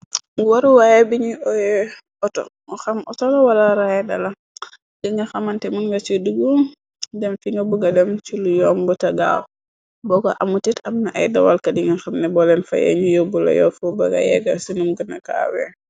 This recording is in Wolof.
Waruwaaye biñuy auto mo xam autola wala raydala di nga xamante mën wet yi digu dem fi nga buga dem ci lu yom b tagaaw boko amu tit abna ay dawalka yinga xamne bolen fayeñu yóbbu la yoofu baga yegga sinum gëna gaawee.